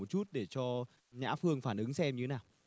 một chút để cho nhã phương phản ứng xem như thế nào